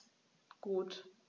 Gut.